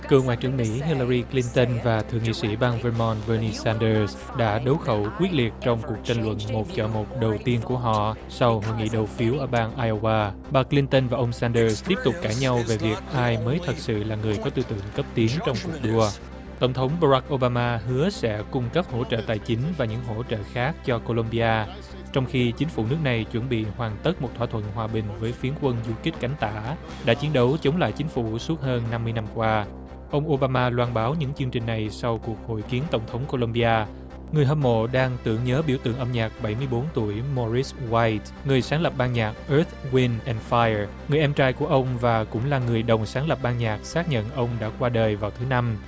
cựu ngoại trưởng mỹ hơ lơ ri cơ lin tưn và thượng nghị sĩ bang vơ mon vơ ni san đơ đã đấu khẩu quyết liệt trong cuộc tranh luận một chọi một đầu tiên của họ sau hội nghị đầu phiếu ở bang ai ô ba bà cơ lin tưn và ông san đơ tiếp tục cãi nhau về việc ai mới thực sự là người có tư tưởng cấp tiến trong cuộc đua tổng thống ba rắc ô ba ma hứa sẽ cung cấp hỗ trợ tài chính và những hỗ trợ khác cho cô lôm bi a trong khi chính phủ nước này chuẩn bị hoàn tất một thỏa thuận hòa bình với phiến quân du kích cánh tả đã chiến đấu chống lại chính phủ suốt hơn năm mươi năm qua ông ô ba ma loan báo những chương trình này sau cuộc hội kiến tổng thống cô lôm bi a người hâm mộ đang tưởng nhớ biểu tượng âm nhạc bảy mươi bốn tuổi mo rít goay người sáng lập ban nhạc ớt guyn en phai ơ người em trai của ông và cũng là người đồng sáng lập ban nhạc xác nhận ông đã qua đời vào thứ năm